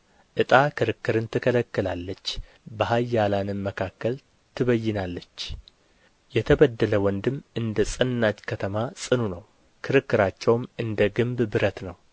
ዕጣ ክርክርን ትከለክላለች በኃያላንም መካከል ትበይናለች የተበደለ ወንድም እንደ ጸናች ከተማ ጽኑ ነው ክርክራቸውም እንደ ግንብ ብረት ነው